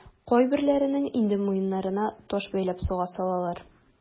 Кайберләренең инде муеннарына таш бәйләп суга салалар.